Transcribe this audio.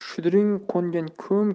shudring qo'ngan ko'm